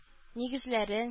Нигезләрен